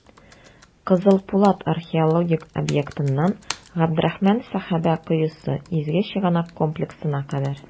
«кызыл пулат» археологик объектыннан "габдрахман сәхабә коесы" изге чыганак комплексына кадәр.